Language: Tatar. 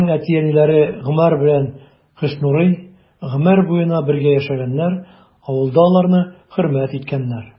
Аның әти-әниләре Гомәр белән Хөснурый гомер буена бергә яшәгәннәр, авылда аларны хөрмәт иткәннәр.